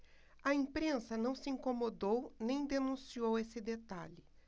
a imprensa não se incomodou nem denunciou esse detalhe